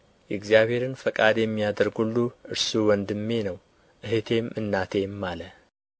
የእግዚአብሔርን ፈቃድ የሚያደርግ ሁሉ እርሱ ወንድሜ ነው እኅቴም እናቴም አለ